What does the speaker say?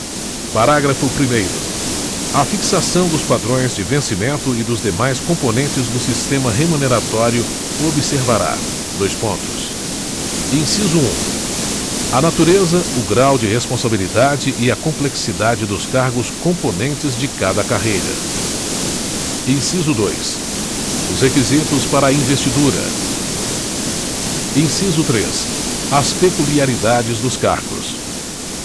parágrafo primeiro a fixação dos padrões de vencimento e dos demais componentes do sistema remuneratório observará dois pontos inciso um a natureza o grau de responsabilidade e a complexidade dos cargos componentes de cada carreira inciso dois os requisitos para a investidura inciso três as peculiaridades dos cargos